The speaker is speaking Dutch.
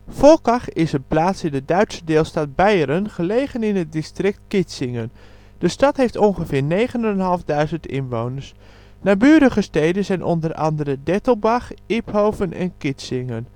Volkach is een plaats in de Duitse deelstaat Beieren, gelegen in het district Kitzingen. De stad heeft ongeveer 9.500 inwoners. Naburige steden zijn onder andere Dettelbach, Iphofen en Kitzingen